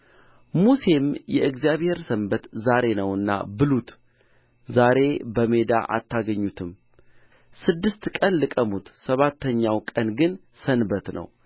ሙሴም የእግዚአብሔር ሰንበት ዛሬ ነውና ብሉት ዛሬ በሜዳ አታገኙትም ስድስት ቀን ልቀሙት ሰባተኛው ቀን ግን ሰንበት ነው